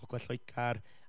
Gogledd Lloegr,